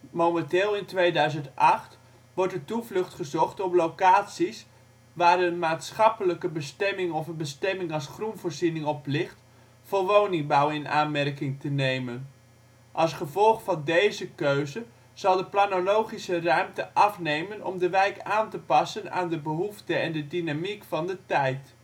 Momenteel (2008) wordt de toevlucht gezocht om locaties, waar een maatschappelijke bestemming of een bestemming als groenvoorziening op ligt, voor woningbouw in aanmerking te nemen. Als gevolg van deze keuze zal de planologische ruimte afnemen om de wijk aan te passen aan de behoefte en de dynamiek van de tijd